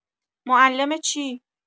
معلم چی؟